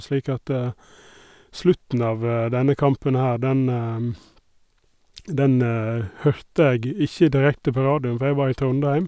Slik at slutten av denne kampen her, den den hørte jeg ikke direkte på radioen, for jeg var i Trondheim.